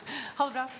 ha det bra!